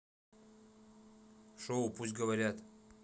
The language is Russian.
шоу пусть говорят